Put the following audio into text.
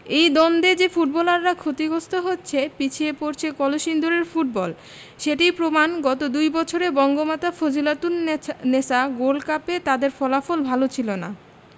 এই দ্বন্দ্বে যে ফুটবলাররা ক্ষতিগ্রস্ত হচ্ছে পিছিয়ে পড়ছে কলসিন্দুরের ফুটবল সেটির প্রমাণ গত দুই বছরে বঙ্গমাতা ফজিলাতুন্নেছা গোল্ড কাপে তাদের ফলাফল ভালো ছিল না